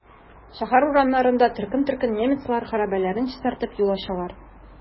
Шәһәр урамнарында төркем-төркем немецлар хәрабәләрне чистартып, юл ачалар.